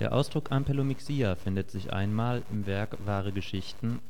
Ausdruck ampelomixia findet sich einmal (hapax legomenon) im Werk Wahre Geschichten